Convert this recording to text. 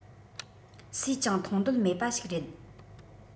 སུས ཀྱང མཐོང འདོད མེད པ ཞིག རེད